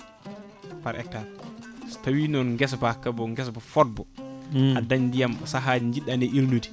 par hectare so tawi noon guesa ba kooba guesa fodba aɗa daaña ndiyam ko sahaji jiɗɗa nde ilnude